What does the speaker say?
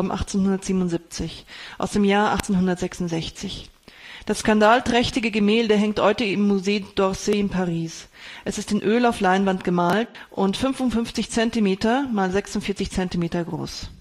1877) aus dem Jahr 1866. Das skandalträchtige Gemälde hängt heute im Musée d'Orsay in Paris. Es ist in Öl auf Leinwand gemalt und 55 cm mal 46 cm groß